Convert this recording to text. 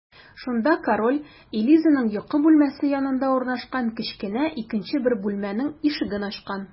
Шунда король Элизаның йокы бүлмәсе янында урнашкан кечкенә икенче бер бүлмәнең ишеген ачкан.